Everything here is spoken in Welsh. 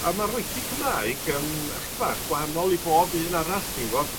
A ma'r wici Cymraeg yym ychydig bach gwahanol i bob un arall ti'n gbo.